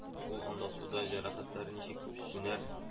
Ул анда суда, җәрәхәтләре ничек күнәр